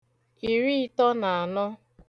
ìriịtọ nà ànọ